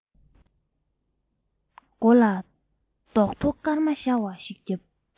མགོ ལ རྡོག ཐོ སྐར མ ཤར བ ཞིག བརྒྱབ